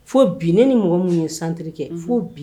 Fo bi ni ni mɔgɔ minnu ye santiriri kɛ fo bi